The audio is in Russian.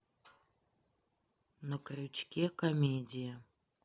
на крючке комедия